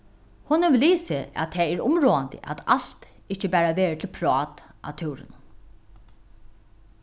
hon hevur lisið at tað er umráðandi at alt ikki bara verður til prát á túrinum